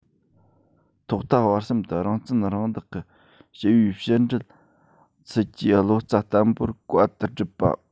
ཐོག མཐའ བར གསུམ དུ རང བཙན རང བདག གི ཞི བའི ཕྱི འབྲེལ སྲིད ཇུས བློ རྩ བརྟན པོས བཀའ ལྟར སྒྲུབ པ